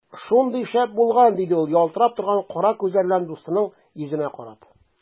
Шундый шәп булган! - диде ул ялтырап торган кара күзләре белән дусының йөзенә карап.